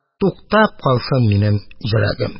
Туктап калсын минем йөрәгем